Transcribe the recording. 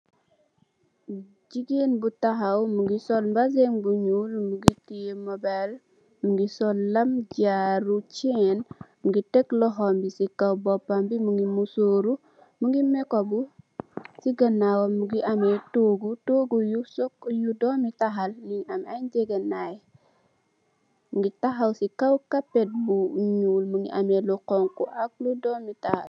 Jigéen bu mu sol mbasin bu ñuul, mungi tè mobile, mungi sol lam, jaaro, chenn. Mungi tekk lohom bi ci kaw boppam bi mungi musóor, mungi makeup bu. Ci ganaawam mungi ameh toogu, toogu yu doomital mu am ay ngegenaay mungi tahaw ci kaw Capet bu ñuul mungi ameh lu honku ak lu doomital.